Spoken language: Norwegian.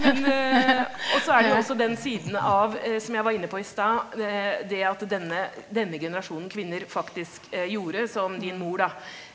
men og så er det jo også den siden av som jeg var inne på i stad det at denne denne generasjonen kvinner faktisk gjorde som din mor da.